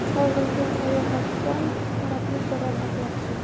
sovrilgan sayohatdan tuhmatli jarohat yaxshi